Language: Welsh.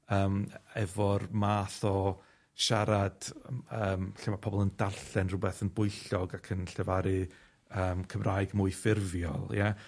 yym e- efo'r math o siarad m- yym lle ma' pobol yn darllen rhwbeth yn bwyllog ac yn llefaru yym Cymraeg mwy ffurfiol, ie?